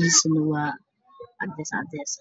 meel caddaan ah